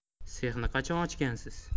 sexni qachon ochgansiz